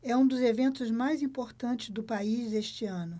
é um dos eventos mais importantes do país este ano